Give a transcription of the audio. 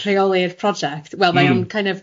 ...rheoli'r project... Mm. ...wel mae o'n kind of